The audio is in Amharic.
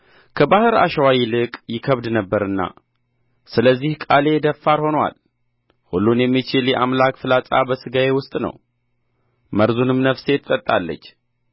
ከባሕር አሸዋ ይልቅ ይከብድ ነበርና ስለዚህ ቃሌ ደፋር ሆኖአል ሁሉን የሚችል የአምላክ ፍላጻ በሥጋዬ ውስጥ ነው መርዙንም ነፍሴ ትጠጣለች